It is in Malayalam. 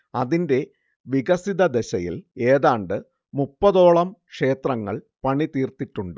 അതിന്റെ വികസിതദശയിൽ ഏതാണ്ട് മുപ്പതോളം ക്ഷേത്രങ്ങൾ പണിതീർത്തിട്ടുണ്ട്